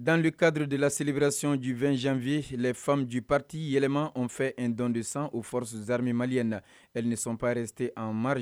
Dans le cadre de la celebration du 20 janvier, les femmes du parti yɛlɛma ont fait un don de sang au Forces des Armées Maliennes, ells ne sont pas restées en marge